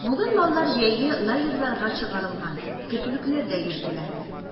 Бүген маллар җәйге лагерьларга чыгарылган, көтүлекләрдә йөртелә.